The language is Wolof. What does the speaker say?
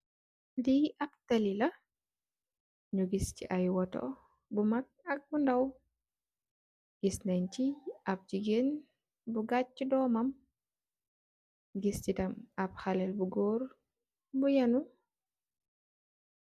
Li ap talli la, ñu gis ci ay Otto bu mak ak bu ndaw. Gis nen ci ap gigeen bu gaci dóómam gis nen ci yetam ap xalèh bu gór bu ènu.